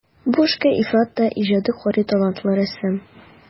Бу эшкә ифрат та иҗади карый талантлы рәссам.